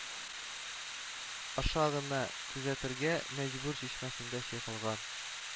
Аша гына күзәтергә мәҗбүр чишмәсендә чайкалган